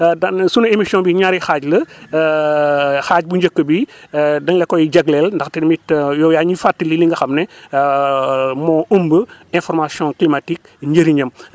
daan na sunu émission bi ñaari xaaj la xaaj bu njëkk bi dañ la koy jagleel ndax tamit yow yaa ñuy fàttali li nga xam ne moo ëmb information climatique njëriñam